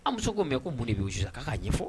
An muso ko mɛn ko boli b bɛ' wusu k' ka ɲɛfɔ